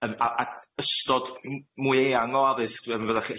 yym a- a- ystod m- mwy eang o addysg yy wydoch chi